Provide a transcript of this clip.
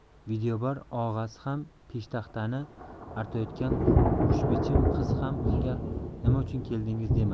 videobar og'asi ham peshtaxtani artayotgan xushbichim qiz ham unga nima uchun keldingiz demadi